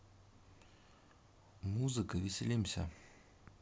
музыка веселимся